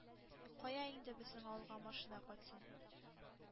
Кая инде безнең авылга машина кайтсын.